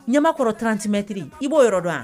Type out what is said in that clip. Ɲɛmaa kɔrɔrantimɛtiriri i b'o yɔrɔ dɔn yan